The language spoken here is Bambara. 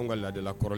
An ka lala kɔrɔ